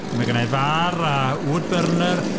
A mae genna i far a woodburner.